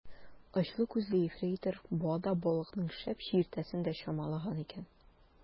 Очлы күзле ефрейтор буада балыкның шәп чиертәсен дә чамалаган икән.